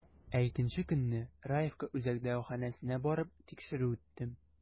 Ә икенче көнне, Раевка үзәк дәваханәсенә барып, тикшерү үттем.